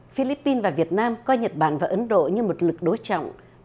phi líp pin và việt nam coi nhật bản và ấn độ như một lực đối trọng